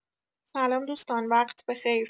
سلام دوستان وقت بخیر